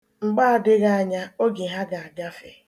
Mgbe adịghị anya, oge ha ga-agafe.